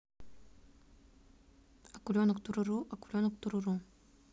акуленок туруруру акуленок туруру